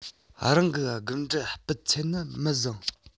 རང གི རྒུན འབྲུམ སྤུས ཚད ནི མི བཟང